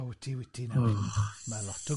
O wyt ti, wyt ti, na fydd.